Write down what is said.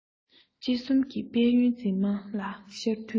དཔྱིད གསུམ གྱི དཔལ ཡོན འཛིན མ ལ ཤར དུས